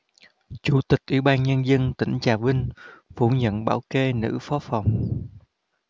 chủ tịch ủy ban nhân dân tỉnh trà vinh phủ nhận bảo kê nữ phó phòng